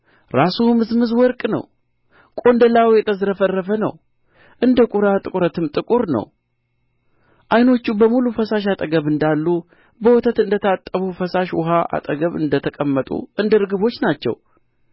ራሱ ምዝምዝ ወርቅ ነው ቈንዳላው የተዝረፈረፈ ነው እንደ ቁራ ጥቁረትም ጥቁር ነው ዓይኖቹ በሙሉ ፈሳሽ አጠገብ እንዳሉ በወተት እንደ ታጠቡ በፈሳሽ ውኃ አጠገብ እንደ ተቀመጡ እንደ ርግቦች ናቸው